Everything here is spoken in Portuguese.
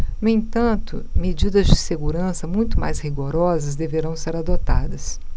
no entanto medidas de segurança muito mais rigorosas deverão ser adotadas